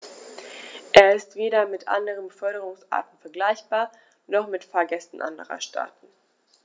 Er ist weder mit anderen Beförderungsarten vergleichbar, noch mit Fahrgästen anderer Staaten.